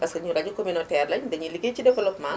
parce que ñun rajo communautaire lañu dañuy liggéey ci développement